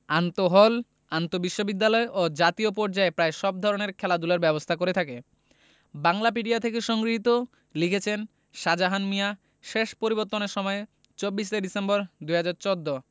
আন্তঃহল আন্তঃবিশ্ববিদ্যালয় ও জাতীয় পর্যায়ে প্রায় সব ধরনের খেলাধুলার ব্যবস্থা করে থাকে বাংলাপিডিয়া থেকে সংগৃহীত লিখেছেনঃ সাজাহান মিয়া শেষ পরিবর্তনের সময় ২৪ ডিসেম্বর ২০১৪